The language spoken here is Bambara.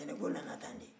tanako nana tan de